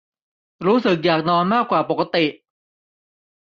รู้สึกอยากนอนมากกว่าปกติ